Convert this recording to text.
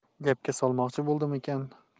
gapga solmoqchi bo'ldimikin